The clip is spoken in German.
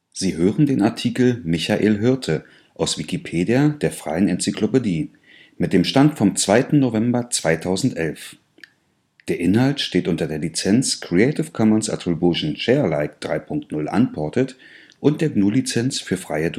Sie hören den Artikel Michael Hirte, aus Wikipedia, der freien Enzyklopädie. Mit dem Stand vom Der Inhalt steht unter der Lizenz Creative Commons Attribution Share Alike 3 Punkt 0 Unported und unter der GNU Lizenz für freie Dokumentation